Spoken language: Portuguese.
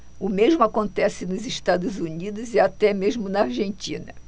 o mesmo acontece nos estados unidos e até mesmo na argentina